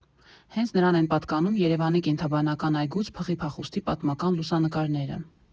Հենց նրան են պատկանում Երևանի Կենդանաբանական այգուց փղի փախուստի պատմական լուսանկարները։